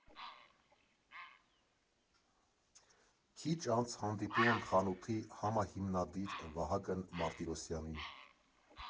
Քիչ անց հանդիպում եմ խանութի համահիմնադիր Վահագն Մարտիրոսյանին։